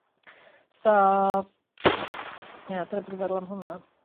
So ie dyna be' dwi feddwl am hwnna.